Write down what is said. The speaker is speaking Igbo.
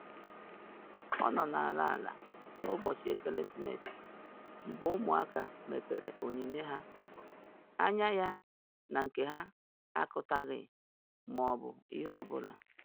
Ọ nọ n’ala ala na Ubọchi Ekeresimesi - mgbe ụmụaka mepere onyinye ha anya ya na nke ha akụtaghị ma ọ bụ ihe ọ bụla.”